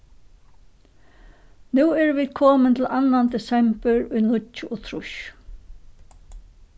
nú eru vit komin til annan desembur í níggjuogtrýss